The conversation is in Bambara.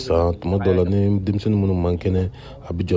tuma dɔw la ni denmisɛnnu minnu man kɛnɛ a b'i janto u ye